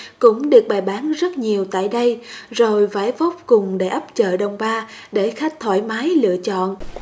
cũng được bày bán rất nhiều tại đây rồi phải vô cùng đầy ắp chợ đông ba để khách thoải mái lựa chọn